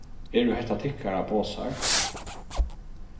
eru hetta tykkara posar